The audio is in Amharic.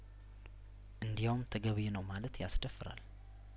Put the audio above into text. እንዲያውም ተገቢ ነው ማለት ያስደፍ ራል